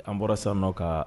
An bɔra sanu kan